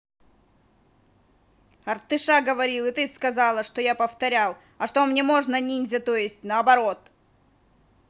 артыша говорил и ты сказала что я повторял а что мне можно ниндзя тоесть наоборот